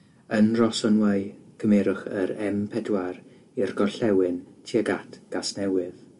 Yn Ross On Wye cymerwch yr em pedwar i'r gorllewin tuag at Gasnewydd.